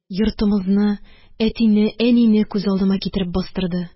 Йортымызны, әтине, әнине күз алдыма китереп бастырды